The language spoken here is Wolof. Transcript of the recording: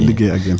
liggéey ak yéen